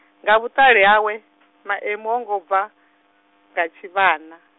nga vhuṱali hawe, Maemu ho ngo bva, nga tshivhana.